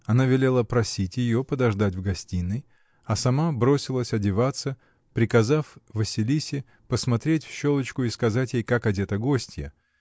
Она велела просить ее подождать в гостиной, а сама бросилась одеваться, приказав Василисе посмотреть в щелочку и сказать ей, как одета гостья.